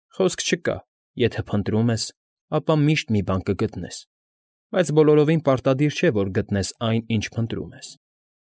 Խոսք չկա, եթե փնտրում ես, ապա միշտ մի բան կգտնես, բայց բոլորովին պարտադիր չէ, որ գտնես այն, ինչ փնտրում ես։